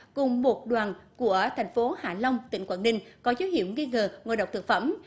cùng một đoàn của thành phố hạ long tỉnh quảng ninh có dấu hiệu nghi ngờ ngộ độc thực phẩm